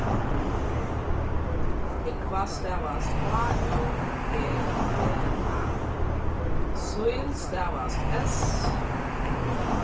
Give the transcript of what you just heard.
u r húgva stavast h ú g v a síl stavast s